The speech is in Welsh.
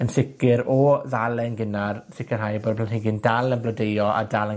yn sicir o ddal e'n gynnar, sicirhau bod y planhigyn dal yn blodeuo a dal yn